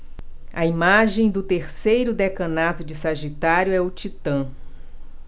a imagem do terceiro decanato de sagitário é o titã